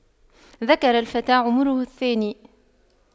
ذكر الفتى عمره الثاني